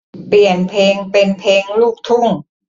เปลี่ยนเพลงเป็นเพลงลูกทุ่ง